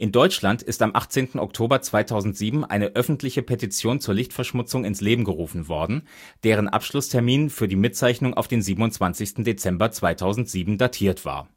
Deutschland ist am 18. Oktober 2007 eine öffentliche Petition zur Lichtverschmutzung ins Leben gerufen worden, deren Abschlusstermin für die Mitzeichnung auf den 27. Dezember 2007 datiert war